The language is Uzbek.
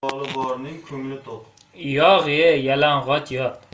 yog' ye yalang'och yot